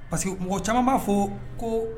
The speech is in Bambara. Parce que mɔgɔ caman b'a fo ko